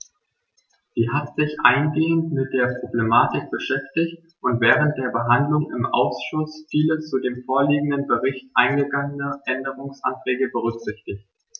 Sie hat sich eingehend mit der Problematik beschäftigt und während der Behandlung im Ausschuss viele zu dem vorliegenden Bericht eingegangene Änderungsanträge berücksichtigt.